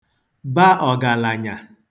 ba ọ̀gàlànyà